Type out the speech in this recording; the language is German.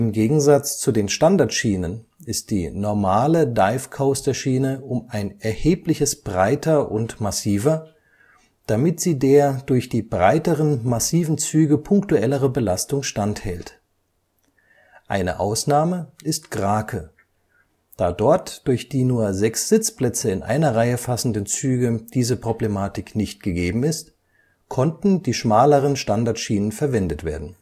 Gegensatz zu den Standardschienen ist die normale Dive-Coaster-Schiene um ein erhebliches breiter und massiver, damit sie der durch die breiteren massiven Züge punktuellere Belastung standhält. Eine Ausnahme ist Krake. Da dort durch die nur sechs Sitzplätze in einer Reihe fassenden Züge diese Problematik nicht gegeben ist, konnten die schmaleren Standardschienen verwendet werden